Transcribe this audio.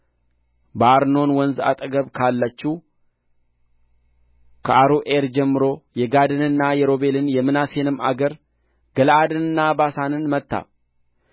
በአርኖን ወንዝ አጠገብ ካለችው ከአሮዔር ጀምሮ የጋድንና የሮቤልን የምናሴንም አገር ገለዓድንና ባሳንን መታ